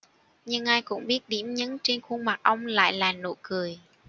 nhưng ai cũng biết điểm nhấn trên khuôn mặt ông lại là nụ cười